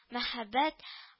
Мәһабәт